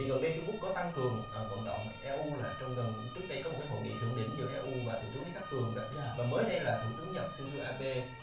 thì gần đây trung quốc có tăng cường ở vận động e u trong gần trước đây có một cái hội nghị thượng đỉnh giữa e u và thủ tướng lý khắc cường đắt giá và mới đây là thủ tướng nhật sin dô a bê